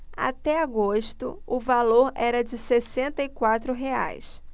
até agosto o valor era de sessenta e quatro reais